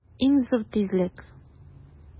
Иң зур тизлек!